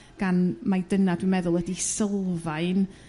gan mai dyna dw'n meddwl ydy sylfaen